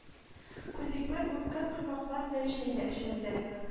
Күзикмәк бөккән коймаклар белән чәй дә эчерде